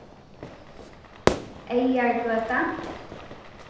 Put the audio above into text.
eyðargøta